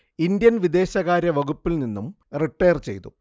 Indian വിദേശകാര്യ വകുപ്പിൽ നിന്നും റിട്ടയർ ചെയ്തു